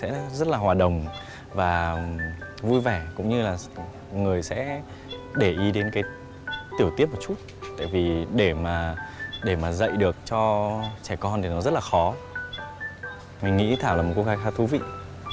sẽ rất là hòa đồng và vui vẻ cũng như là người sẽ để ý đến cái tiểu tiết một chút tại vì để mà để mà dạy được cho trẻ con thì nó rất là khó mình nghĩ thảo là một cô gái khá thú vị